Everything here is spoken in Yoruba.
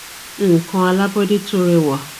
Nǹkan alábọ́de tórẹwà.